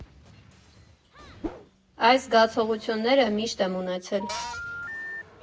Այս զգացողությունները միշտ եմ ունեցել։